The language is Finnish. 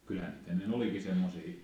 kyllähän niitä ennen olikin semmoisia